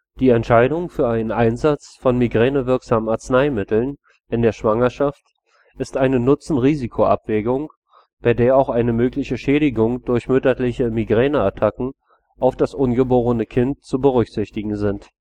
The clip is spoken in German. Die Entscheidung für einen Einsatz von migränewirksamen Arzneimitteln in der Schwangerschaft ist eine Nutzen-Risiko-Abwägung bei der auch eine mögliche Schädigung durch mütterliche Migräneattacken auf das ungeborene Kind zu berücksichtigen sind